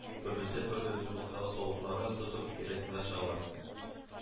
Төрлесе төрле зурлыктагы савытларын тотып, керосинга чыгалар